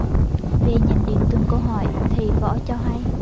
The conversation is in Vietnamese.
về nhận định từng câu hỏi thầy võ cho hay